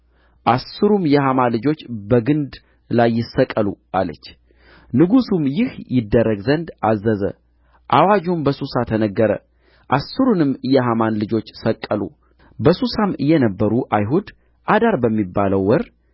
አሥሩም የሐማ ልጆች በግንድ ላይ ይሰቀሉ አለች ንጉሡም ይህ ይደረግ ዘንድ አዘዘ አዋጅም በሱሳ ተነገረ አሥሩንም የሐማን ልጆች ሰቀሉ በሱሳም የነበሩ አይሁድ አዳር በሚባለው ወር